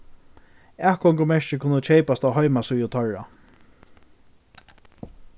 atgongumerkir kunnu keypast á heimasíðu teirra